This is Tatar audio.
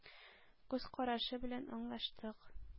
Күз карашы белән аңлаштык.